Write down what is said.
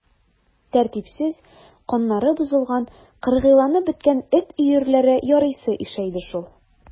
Тәртипсез, каннары бозылган, кыргыйланып беткән эт өерләре ярыйсы ишәйде шул.